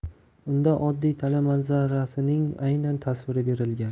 unda oddiy dala manzarasining aynan tasviri berilgan